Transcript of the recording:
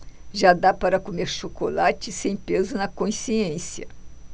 já dá para comer chocolate sem peso na consciência